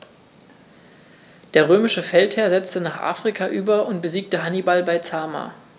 Der römische Feldherr setzte nach Afrika über und besiegte Hannibal bei Zama.